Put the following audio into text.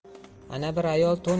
ana bir ayol to'n